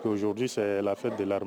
Zodi sɛ lafife de